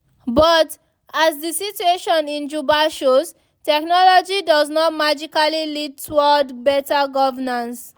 But, as the situation in Juba shows, technology does not magically lead toward better governance.